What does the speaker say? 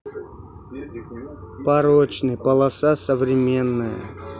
порочный полоса современная